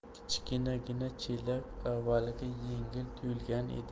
kichkinagina chelak avvaliga yengil tuyulgan edi